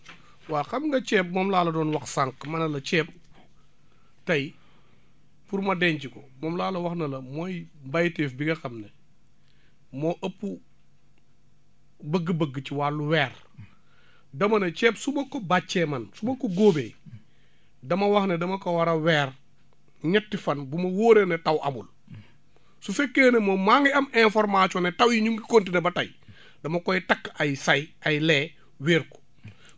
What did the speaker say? waa xam nga ceeb moom laa la doon wax sànq ma ne la ceeb tey pour ma denc ko moom laa la wax ne la mooy béytéef bi nga xam ne moo ëpp bëgg-bëgg ci wàllu weer dama ne ceeb su ma ko bàccee an su ma góobee dama wax ne dama ko war a weer ñetti fan bu ma wóoree ne taw amul su fekkee ne moom maa ngi am information ne taw yi ñu ngi continué ba tey dama koy takk ay say ay lee wéer ko